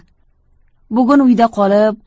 bugun uyda qolib